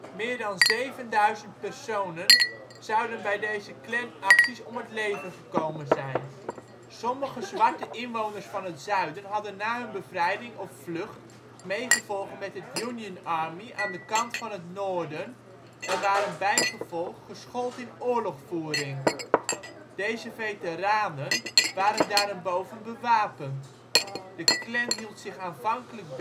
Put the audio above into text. Meer dan 7000 personen zouden bij deze Klanacties om het leven gekomen zijn. Sommige zwarte inwoners van het Zuiden hadden na hun bevrijding of vlucht meegevochten met het Union Army aan de kant van het Noorden en waren bijgevolg geschoold in oorlogvoering. Deze veteranen waren daarenboven bewapend. De Klan hield zich aanvankelijk